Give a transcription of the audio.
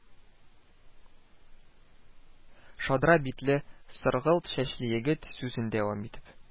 Шадра битле, саргылт чәчле егет, сүзен дәвам итеп: